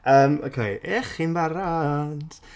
Yym oce, 'ych chi'n barod?